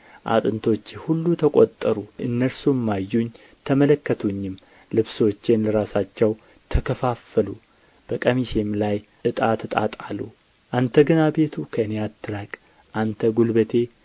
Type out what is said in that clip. አጥንቶቼ ሁሉ ተቈጠሩ እነርሱም አዩኝ ተመለከቱኝም ልብሶቼን ለራሳቸው ተከፋፈሉ በቀሚሴም ላይ ዕጣ ተጣጣሉ አንተ ግን አቤቱ ከእኔ አትራቅ አንተ ጕልበቴ